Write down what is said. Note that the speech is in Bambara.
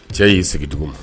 Cɛ y'i sigi duguma